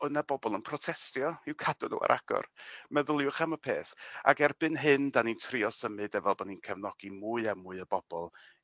oedd 'na bobol yn protestio i'w cadw n'w ar agor meddyliwch am y peth! Ag erbyn hyn 'dan ni'n trio symud e fel bo' ni'n cefnogi mwy a mwy o bobol